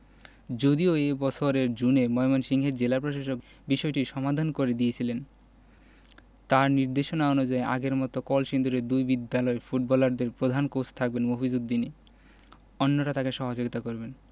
যদিও এ বছরের জুনে ময়মনসিংহের জেলা প্রশাসক বিষয়টির সমাধান করে দিয়েছিলেন তাঁর নির্দেশনা অনুযায়ী আগের মতো কলসিন্দুরের দুই বিদ্যালয়ের ফুটবলারদের প্রধান কোচ থাকবেন মফিজ উদ্দিনই অন্যরা তাঁকে সহযোগিতা করবেন